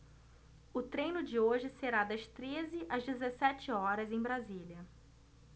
o treino de hoje será das treze às dezessete horas em brasília